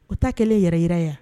O ta kɛlɛ yɛrɛ yira yan